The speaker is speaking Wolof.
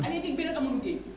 alieutique bi nag amul liggéey